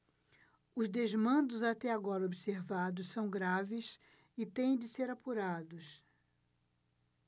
os desmandos até agora observados são graves e têm de ser apurados